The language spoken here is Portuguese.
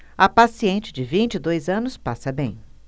a paciente de vinte e dois anos passa bem